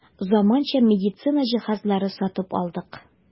Заманча медицина җиһазлары сатып алдык.